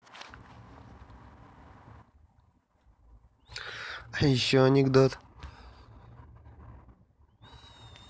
а еще анекдот